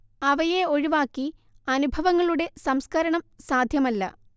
അവയെ ഒഴിവാക്കി അനുഭവങ്ങളുടെ സംസ്കരണം സാധ്യമല്ല